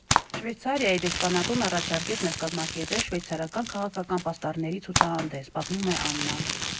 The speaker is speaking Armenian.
«Շվեյցարիայի դեսպանատունը առաջարկեց մեզ կազմակերպել շվեյցարական քաղաքական պաստառների ցուցահանդես, ֊ պատմում է Աննան։